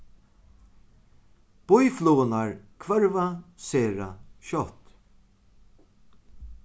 býflugurnar hvørva sera skjótt